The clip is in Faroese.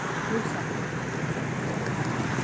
húsabrúgv